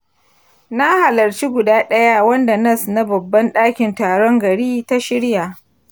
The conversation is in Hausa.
na halarci guda ɗaya wanda nas na babban ɗakin taron gari ta shirya.